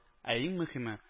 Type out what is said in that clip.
Ә иң мөхиме -